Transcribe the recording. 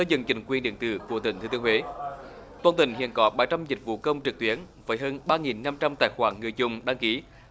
dựng chính quyền điện tử của tỉnh thừa thiên huế toàn tỉnh hiện có ba trăm dịch vụ công trực tuyến với hơn ba nghìn năm trăm tài khoản người dùng đăng ký